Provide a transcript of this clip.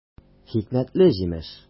Хикмәтле җимеш!